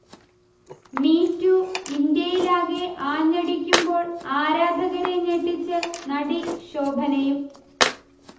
me too ഇന്ത്യയിലാകെ ആഞ്ഞടിക്കുമ്പോൾ ആരാധകരെ ഞെട്ടിച്ച് നടി ശോഭനയും